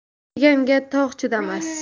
yotib yeganga tog' chidamas